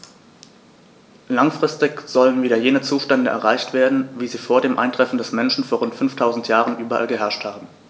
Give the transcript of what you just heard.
Langfristig sollen wieder jene Zustände erreicht werden, wie sie vor dem Eintreffen des Menschen vor rund 5000 Jahren überall geherrscht haben.